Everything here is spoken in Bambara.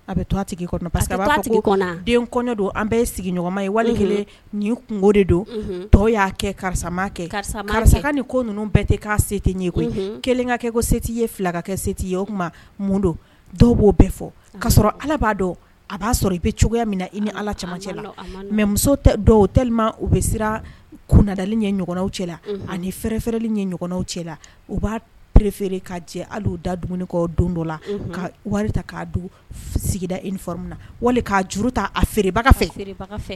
A bɛ to tigi pa den don an bɛɛ sigima ye wali nin kun de don tɔw y'a kɛ karisama kɛ karisa karisa ni ko ninnu bɛɛ tɛ' se tɛ koyi kelen ka kɛ ko seti ye filaka kɛ setigi ye o kuma mun don dɔw b'o bɛɛ fɔ' sɔrɔ ala b'a dɔn a b'a sɔrɔ i bɛ cogoya min na i ni ala caman cɛ la mɛ muso dɔw te u bɛ siran kundali ye ɲɔgɔnw cɛ la ani fɛ fɛrɛɛrɛli ye ɲɔgɔnw cɛ la u b'a perefeere ka jɛ hali'u da dumuni kɔ don dɔ la ka wari ta ka sigida i ni na wali k'a juru ta a feerebaga fɛ